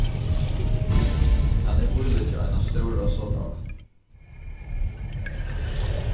kann eg bíleggja eina stóra sodavatn